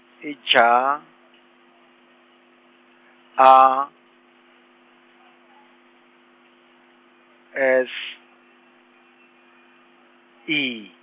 i J A , S I.